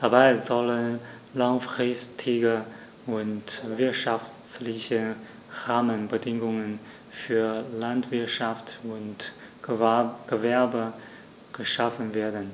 Dabei sollen langfristige und wirtschaftliche Rahmenbedingungen für Landwirtschaft und Gewerbe geschaffen werden,